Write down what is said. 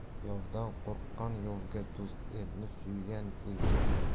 yovdan qo'rqqan yovga do'st elni suygan elga